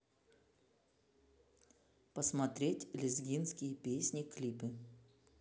посмотреть лезгинские песни клипы